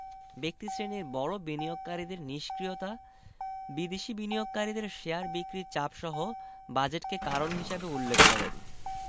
ব্যক্তিশ্রেণীর বড় বিনিয়োগকারীদের নিষ্ক্রিয়তা বিদেশি বিনিয়োগকারীদের শেয়ার বিক্রির চাপসহ বাজেটকে কারণ হিসেবে উল্লেখ করেন